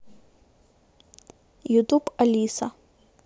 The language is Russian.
ютуб алиса